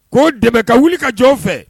Ko de ka wuli ka jɔn fɛ